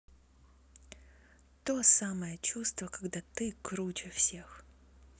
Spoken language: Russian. то самое чувство когда ты круче всех